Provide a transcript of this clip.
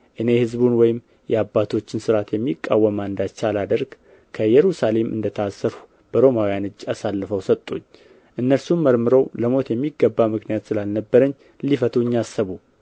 እኔ ሕዝቡን ወይም የአባቶችን ሥርዓት የሚቃወም አንዳች ሳላደርግ ከኢየሩሳሌም እንደ ታሰርሁ በሮማውያን እጅ አሳልፈው ሰጡኝ እነርሱም መርምረው ለሞት የሚገባ ምክንያት ስላልነበረብኝ ሊፈቱኝ አሰቡ